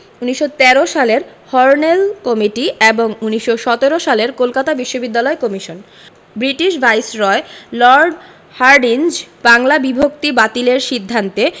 ১৯১৩ সালের Hornell committee এবং ১৯১৭ সালের কলকাতা বিশ্ববিদ্যালয় commission British viceroy Lord Hardinge Bangla বিভক্তি বাতিলের সিদ্ধান্তে